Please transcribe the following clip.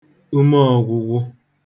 ume ọ̄gwụ̄gwụ̄